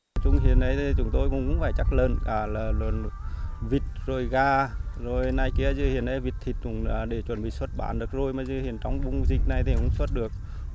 chung hiện nay thì chúng tôi cũng không phải chắc lợn cả là vích rời gà rồi này kia giờ hiện nay vịt thịt cũng đã là để chuẩn bị xuất bán được rồi mà giừ hiện trong vùng dịch này thì cũng không suất được